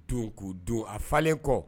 Dun k'u dun a falen kɔ